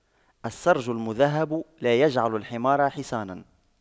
السَّرْج المُذهَّب لا يجعلُ الحمار حصاناً